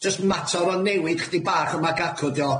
Jyst matar o newid 'chydig bach yma ag acw 'dio.